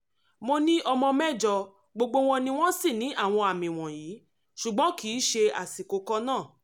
"Mo ní ọmọ mẹ́jọ, gbogbo wọn ni wọ́n sì ní àwọn àmì wọ̀nyìí, ṣùgbọ́n kìí ṣe àsìkò kan náà."